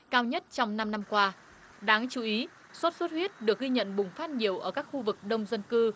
cao nhất trong năm năm qua đáng chú ý sốt xuất huyết được ghi nhận bùng phát nhiều ở các khu vực đông dân cư